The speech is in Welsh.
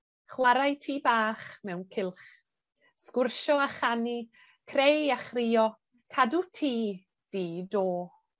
chwarae tŷ bach mewn cylch, sgwrsio a chanu, creu a chrio, cadw tŷ di do.